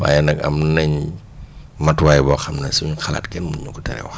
waaye nag am nañ matuwaay boo xam ne suñu xalaat kenn mënu ñu ko teree wax